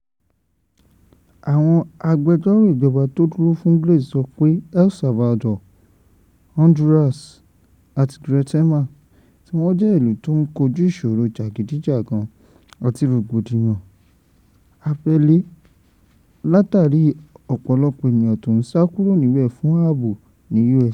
Àwọn agbẹjọ́rò ìjọba tó dúró fún Grace sọ pé El Salvador, Honduras àti Guatemala tí wọ́n jẹ́ ìlú tí ó ń kojú ìṣòro jàgídíjàgan àti rògbòdìyàn abẹ́lé látàríi ọ̀pọ̀lọpọ̀ ènìyàn tó ń sá kúrò níbẹ̀ fún ààbò ní US.